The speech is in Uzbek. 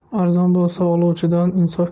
arzon bo'lsa oluvchidan insof